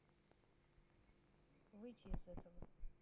выйти из этого